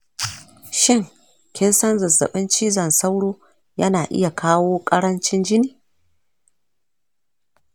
shin kinsan zazzaɓin cizon sauro yana iya kawo ƙarancin jini?